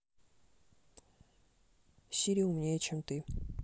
сири умнее чем ты